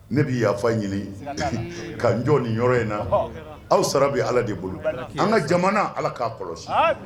Ne bi yafa ɲini siga taa la ka n jɔ ni yɔrɔ in na ɔhɔ aw sara be Ala de bolo an ŋa jamana Ala k'a kɔlɔsi aami